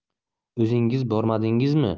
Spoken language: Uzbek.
o'zingiz bormadingizmi